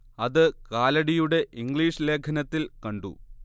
അത് കാലടിയുടെ ഇംഗ്ലീഷ് ലേഖനത്തിൽ കണ്ടു